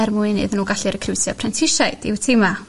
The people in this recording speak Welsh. er mwyn iddyn nhw gallu rycriwtio prentisiaid iw tima.